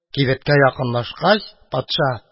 Кибеткә якынлашкач, патша: